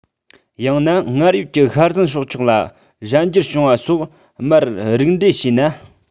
ཡང ན སྔར ཡོད ཀྱི ཤ ཟན སྲོག ཆགས ལ གཞན འགྱུར བྱུང བ སོགས མར རིགས འགྲེ བྱས ན